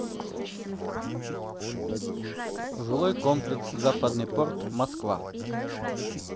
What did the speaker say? жилой комплекс западный порт москва